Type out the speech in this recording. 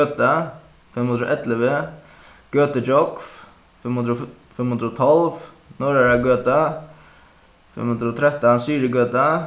gøta fimm hundrað og ellivu gøtugjógv fimm hundrað og fimm hundrað og tólv norðara gøta fimm hundrað og trettan syðrugøta